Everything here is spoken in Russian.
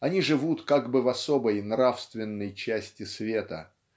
они живут как бы в особой нравственной части света.